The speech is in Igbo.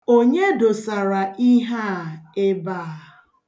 Onye dosara ihe a ebe a?